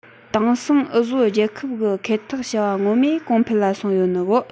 དེང སང འུ བཟོ རྒྱལ ཁབ གི འཁེལ འཐག བྱ བ ངོ མས གོང འཕེལ ལ སོང ཡོད ནོ གིས